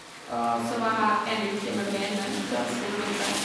Og så var jeg her én uke med venninnen min før skolen begynte.